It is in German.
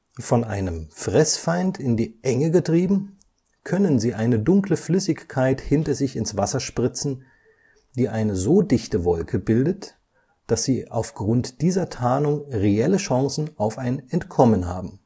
Von einem Fressfeind in die Enge getrieben, können sie eine dunkle Flüssigkeit hinter sich ins Wasser spritzen, die eine so dichte Wolke bildet, dass sie aufgrund dieser Tarnung reelle Chancen auf ein Entkommen haben